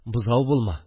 Бозау булма